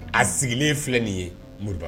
A sigilen filɛ nin ye Moriba